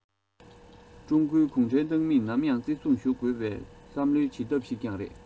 ཀྲུང གོའི གུང ཁྲན ཏང མིས ནམ ཡང བརྩི སྲུང ཞུ དགོས པའི བསམ བློའི བྱེད ཐབས ཤིག ཀྱང རེད